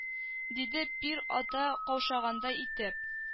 Диде пир ата каушагандай итеп